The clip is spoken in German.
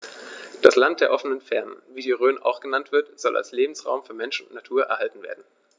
Das „Land der offenen Fernen“, wie die Rhön auch genannt wird, soll als Lebensraum für Mensch und Natur erhalten werden.